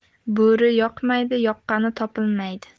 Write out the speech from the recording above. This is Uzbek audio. bori yoqmaydi yoqqani topilmaydi